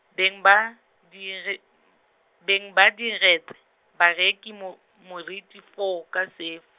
beng ba, dire-, beng ba diretse, bareki mo-, moriti foo, ka sefo.